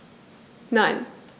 Nein.